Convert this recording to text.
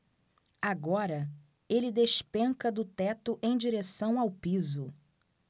agora ele despenca do teto em direção ao piso